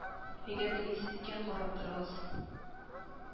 Әгәр телисез икән, карап торыгыз